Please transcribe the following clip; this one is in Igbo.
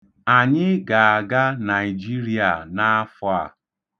Anyị ga-aga Naịjiria n'afọ a.